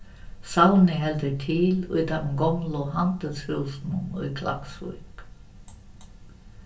savnið heldur til í teimum gomlu handilshúsunum í klaksvík